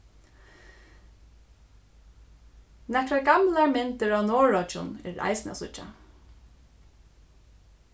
nakrar gamlar myndir av norðuroyggjum eru eisini at síggja